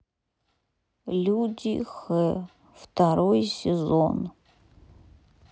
люди хэ второй сезон